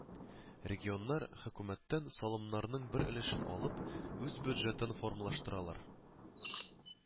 Регионнар, хөкүмәттән салымнарның бер өлешен алып, үз бюджетын формалаштыралар